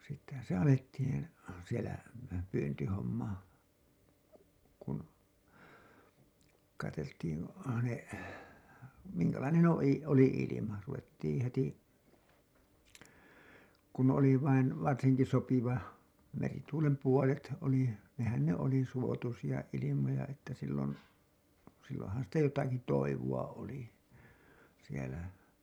sittenhän se alettiin siellä pyyntihomma kun katseltiin ne minkälainen - oli ilma ruvettiin heti kun oli vain varsinkin sopiva merituulen puolet oli nehän ne oli suotuisia ilmoja että silloin silloinhan sitä jotakin toivoa oli siellä